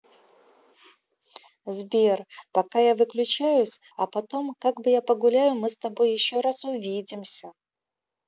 сбер пока я выключаюсь а потом как бы я погуляю мы с тобой еще раз увидимся